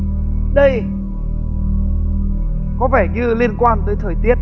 đây có vẻ như liên quan tới thời tiết